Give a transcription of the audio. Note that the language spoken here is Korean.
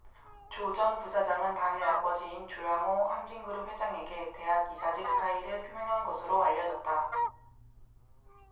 조 전 부사장은 당일 아버지인 조양호 한진그룹 회장에게 대학 이사직 사의를 표명한 것으로 알려졌다